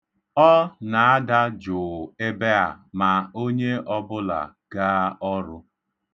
Ọ na-ada jụụ, ebe a, ma onye ọbụla gaa ọrụ.